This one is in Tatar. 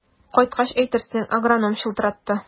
Кайткач әйтерсең, агроном чылтыратты.